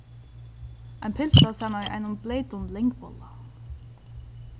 ein pylsa saman við einum bleytum langbolla